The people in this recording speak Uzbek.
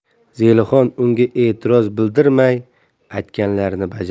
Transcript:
zelixon unga e'tiroz bildirmay aytganlarini bajardi